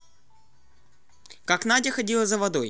как надя ходила за водой